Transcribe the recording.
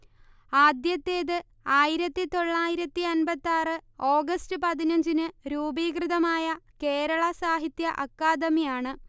ആദ്യത്തെത് ആയിരത്തി തൊള്ളായിരത്തി അന്പത്താറ് ഓഗസ്റ്റ് പതിനഞ്ചിനു രൂപീകൃതമായ കേരളാ സാഹിത്യ അക്കാദമി ആണ്